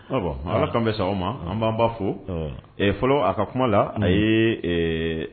Ala bɛ ma an b'anba fo fɔlɔ a ka kuma la a ye